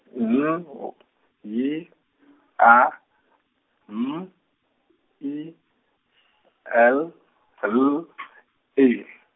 N , Y A M E L L E.